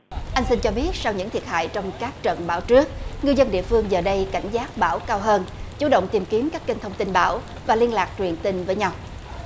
anh xin cho biết sau những thiệt hại trong các trận bão tuyết người dân địa phương giờ đây cảnh giác bảo cao hơn chủ động tìm kiếm các kênh thông tin bão và liên lạc truyền tình với nhau